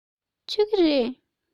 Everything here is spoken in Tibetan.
མཆོད ཀྱི རེད